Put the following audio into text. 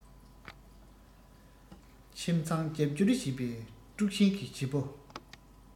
ཁྱིམ ཚང རྒྱབ བསྐྱུར བྱེད པའི དཀྲུག ཤིང གི བྱེད པོ